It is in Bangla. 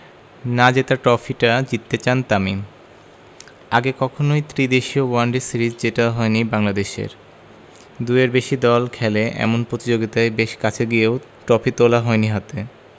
না জেতা ট্রফিটা জিততে চান তামিম আগে কখনোই ত্রিদেশীয় ওয়ানডে সিরিজ জেতা হয়নি বাংলাদেশের দুইয়ের বেশি দল খেলে এমন প্রতিযোগিতায় বেশ কাছে গিয়েও ট্রফি তোলা হয়নি হাতে